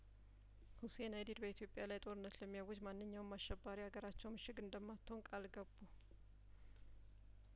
ሁሴን አይዲድ በኢትዮጵያ ላይ ጦርነት ለሚያውጅ ማንኛውም አሸባሪ አገራቸው ምሽግ እንደማትሆን ቃል ገቡ